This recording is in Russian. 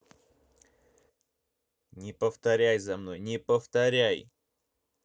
не повторяй за мной не повторяй